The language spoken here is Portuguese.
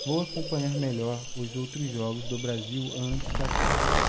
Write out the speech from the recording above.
vou acompanhar melhor os outros jogos do brasil antes da copa